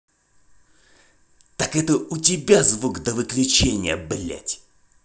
так это я у тебя звук до выключения блядь